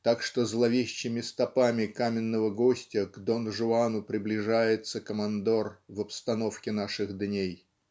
так что зловещими стопами Каменного Гостя к Дон Жуану приближается Командор в обстановке наших дней